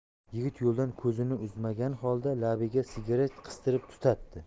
yigit yo'ldan ko'zini uzmagani holda labiga sigaret qistirib tutatdi